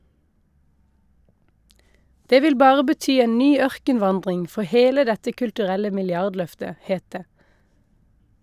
Det vil bare bety en ny ørkenvandring for hele dette kulturelle milliardløftet, het det.